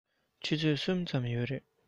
ཆུ ཚོད གསུམ ཙམ ཡོད རེད